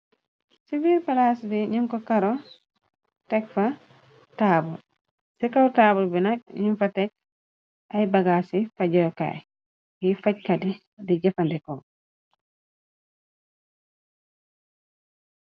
Ci wiir palaas bi nëm ko karo teg fa taabul ci kaw taabul bi nag num fa teg ay bagaa ci fajëokaay ngiy fajkati di jëfandi ko.